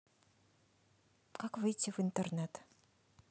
как выйти в интернет